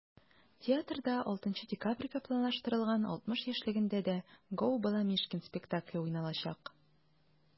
Театрда 6 декабрьгә планлаштырылган 60 яшьлегендә дә “Gо!Баламишкин" спектакле уйналачак.